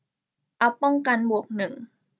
อัพป้องกันบวกหนึ่ง